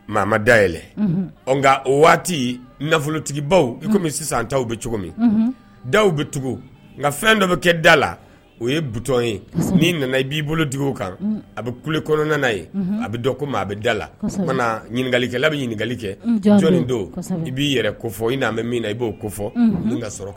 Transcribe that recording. Maa ma dayɛlɛ nka o waati nafolotigibaw i sisan an' bɛ cogo min da bɛ tugu nka fɛn dɔ bɛ kɛ da la o ye but ye n'i nana i b'i bolotigiw kan a bɛ kule kɔnɔn ye a bɛ ko maa a bɛ da la ka na ɲininkalikɛla bɛ ɲininkakali kɛ jɔnni don i b'i yɛrɛ kofɔ i n'an bɛ min na i b'o ko fɔ n ka sɔrɔ